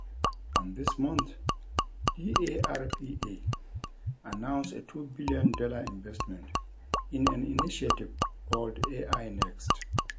And this month DARPA announced a $2 billion investment in an initiative called AI Next.